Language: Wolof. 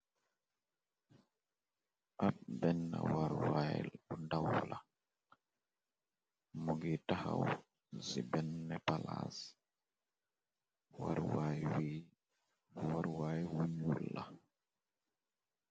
ab benn warwaay bu daw lamu gi taxaw ci benn palaas u warwaay wu ñul la